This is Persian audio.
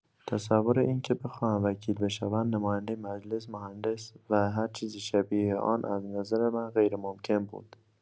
تصور اینکه بخواهم وکیل بشوم، نماینده مجلس، مهندس، و هرچیز شبیه آن از نظر من غیرممکن بود.